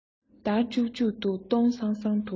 འདར ལྕུག ལྕུག ཏུ སྟོང སང སང དུ